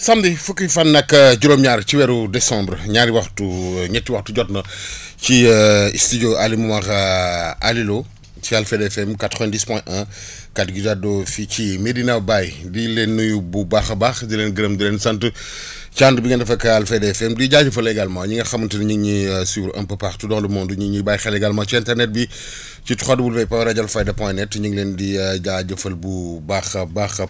samedi fukki fan ak juróom-ñaar ci weeru décembre ñaari waxtu ñetti waxtu jot na ci studio Aly Momar Aly Lo ci Alfayda FM 90 point 1 kaddu gi di addoo fii ci Medina Baye di leen nuyu bu baax a baax di leen gërëm di kleen sant si ànd bi ngeen def ak Alfayda FM di jaajëfal également ñi nga xamante ni ñi ngi ñuy suivre un peu partout dans le monde ñi ñuy bàyyi xel également ci internet bi ci WWW.radioalfayda.net ñu ngi leen di jaajëfal bu baax a baax